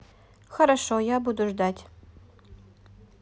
хорошо я буду ждать